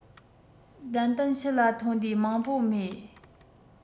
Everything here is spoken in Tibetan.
ཏན ཏན ཕྱི ལ ཐོན དུས མང པོ མེད